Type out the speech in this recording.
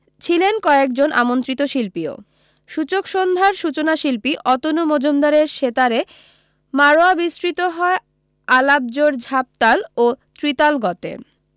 ছিলেন কয়েক জন আমন্ত্রিত শিল্পীও সূচক সন্ধ্যার সূচনা শিল্পী অতনু মজুমদারের সেতারে মাড়োয়া বিস্তৃত হয় আলাপ জোড় ঝাপতাল ও ত্রিতাল গতে